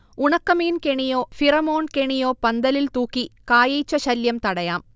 ഉണക്കമീൻ കെണിയോ, ഫിറമോൺ കെണിയോ പന്തലിൽ തൂക്കി കായീച്ചശല്യം തടയാം